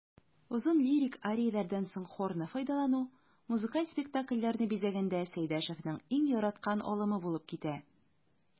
Озын лирик арияләрдән соң хорны файдалану музыкаль спектакльләрне бизәгәндә Сәйдәшевнең иң яраткан алымы булып китә.